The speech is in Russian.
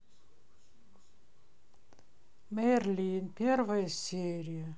мерлин первая серия